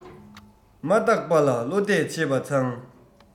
མ བརྟག པ ལ བློ གཏད བྱེད པ མཚང